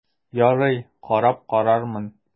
Ярый, карап карармын...